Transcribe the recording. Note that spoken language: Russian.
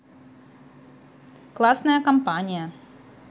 классная компания